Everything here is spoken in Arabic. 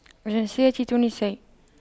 جنسيتي تونسية